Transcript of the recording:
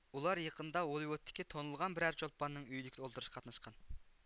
ئۇلار يېقىندا ھوللىۋودتىكى تونۇلغان بىر ئەر چولپاننىڭ ئۆيىدىكى ئولتۇرۇشقا قاتناشقان